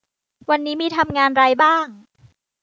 วันนี้มีทำงานไรบ้าง